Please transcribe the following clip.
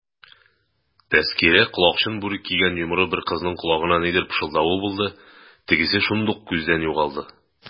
Тәзкирә колакчын бүрек кигән йомры бер кызның колагына нидер пышылдавы булды, тегесе шундук күздән югалды.